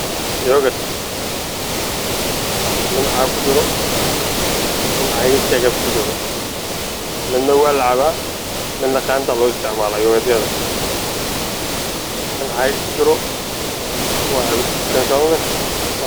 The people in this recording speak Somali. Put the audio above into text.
Waa joogad lacabo